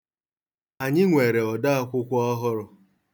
Anyị nwere odaakwụkwọ ọhụrụ.